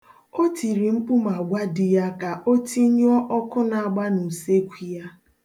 O tiri mkpu ma gwa di ya ka o tinyụọ ọkụ na-agba n'useekwu ya.